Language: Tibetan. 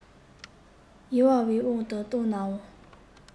ཡིན བའི དབང དུ བཏང ན འང